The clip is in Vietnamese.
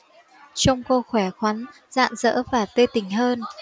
trông cô khỏe khoắn rạng rỡ và tươi tỉnh hơn